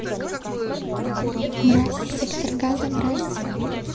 мразь сектор газа мразь